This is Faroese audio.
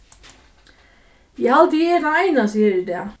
eg haldi at eg eri tann einasti her í dag